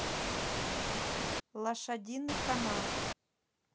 лошадиный канал